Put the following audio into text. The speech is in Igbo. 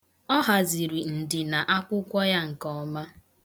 Ọ ghaziri ndịna akwụkwọ ya nke ọma.